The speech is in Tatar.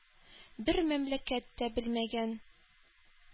Бер мәмләкәт тә белмәгән,